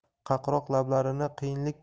qaqroq lablarini qiyinlik